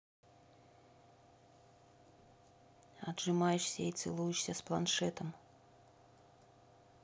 отжимаешься и целуешься с планшетом